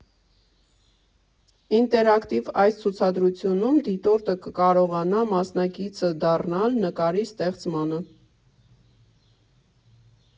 Ինտերակտիվ այս ցուցադրությունում դիտորդը կկարողանա մասնակիցը դառնալ նկարի ստեղծմանը։